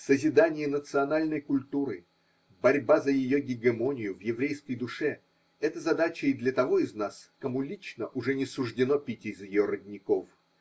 Созидание национальной культуры, борьба за ее гегемонию в еврейской душе – это задача и для того из нас, кому лично уже не суждено пить из ее родников.